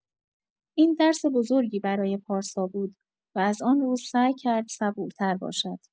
این درس بزرگی برای پارسا بود و از آن روز سعی کرد صبورتر باشد.